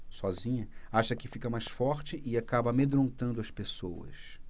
sozinha acha que fica mais forte e acaba amedrontando as pessoas